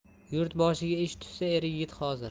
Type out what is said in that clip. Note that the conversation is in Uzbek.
yurt boshiga ish tushsa er yigit hozir